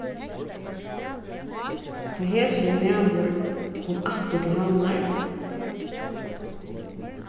tá hesin maður kom aftur til havnar